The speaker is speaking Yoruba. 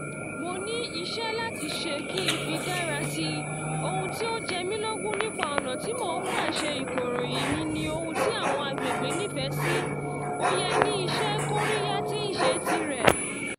Mo ní iṣẹ́ láti ṣe kí n fi dára si, ohun tí ó jemí lógún nípa ọ̀nà tí mò ń gbà ṣe ìkọ̀ròyìn mi ni ohun tí àwọn agbègbè nífẹ̀ẹ́ sí, ó yẹ ní ìṣe-kóríyá tíí ṣe tìrẹ.